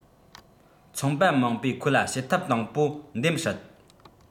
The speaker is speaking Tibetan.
ཚོང པ མང པོས ཁོ ལ བྱེད ཐབས དང པོ འདེམས སྲིད